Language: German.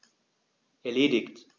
Erledigt.